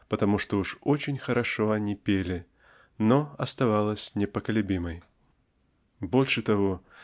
потому что уж очень хорошо они пели но оставалось непоколебимой. Больше того